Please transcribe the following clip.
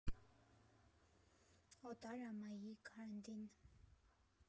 Օտար ամայի կարանտին։